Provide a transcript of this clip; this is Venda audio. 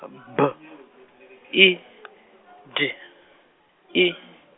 B I D I.